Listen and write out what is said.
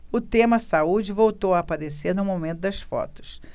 o tema saúde voltou a aparecer no momento das fotos